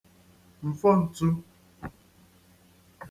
m̀fon̄tū